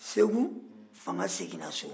segu fanga seginna so